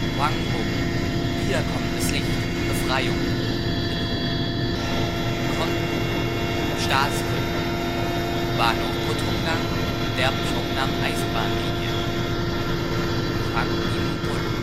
Kwangbok (광복 = Wiederkommendes Licht, Befreiung), Depot (Kwangbok-dong) Kŏn'guk (건국 = Staatsgründung), Bahnhof Pot’ onggang der P'yŏngnam-Eisenbahnlinie Hwanggimbŏl